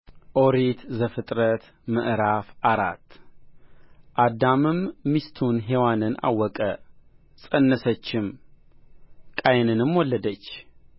ኦሪት ዘፍጥረት ምዕራፍ አራት አዳምም ሚስቱን ሔዋንን አወቀ ፀነሰችም ቃየንንም ወለደች